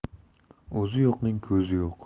o'zi yo'qning ko'zi yo'q